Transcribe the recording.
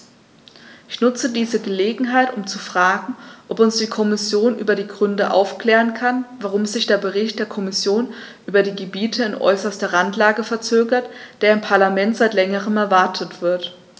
Ich nutze diese Gelegenheit, um zu fragen, ob uns die Kommission über die Gründe aufklären kann, warum sich der Bericht der Kommission über die Gebiete in äußerster Randlage verzögert, der im Parlament seit längerem erwartet wird.